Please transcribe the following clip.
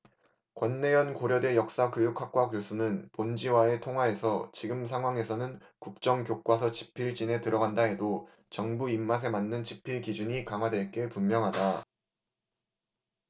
권내현 고려대 역사교육학과 교수는 본지와의 통화에서 지금 상황에서는 국정교과서 집필진에 들어간다 해도 정부 입맛에 맞는 집필 기준이 강화될 게 분명하다